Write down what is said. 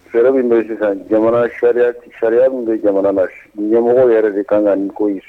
Fɛɛrɛ min bɛ sisan jamana sariya, sariya mun bɛ jamana na ɲɛmɔgɔw yɛrɛ de ka kan ni koyi